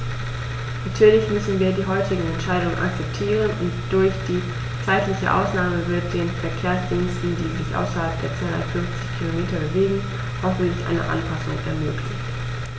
Natürlich müssen wir die heutige Entscheidung akzeptieren, und durch die zeitliche Ausnahme wird den Verkehrsdiensten, die sich außerhalb der 250 Kilometer bewegen, hoffentlich eine Anpassung ermöglicht.